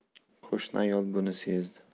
qo'shni ayol buni sezdi